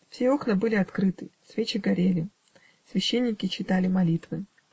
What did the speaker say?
Все окны были открыты; свечи горели; священники читали молитвы.